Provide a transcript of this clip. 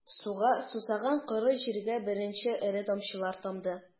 Суга сусаган коры җиргә беренче эре тамчылар тамды...